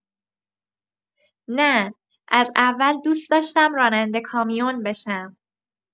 نه، از اول دوست داشتم راننده کامیون بشم.